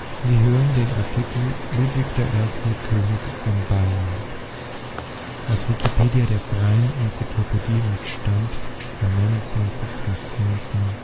Sie hören den Artikel Ludwig I. (Bayern), aus Wikipedia, der freien Enzyklopädie. Mit dem Stand vom Der